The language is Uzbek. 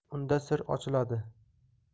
unda sir ochiladi